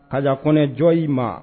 A yafaɔnjɔ i ma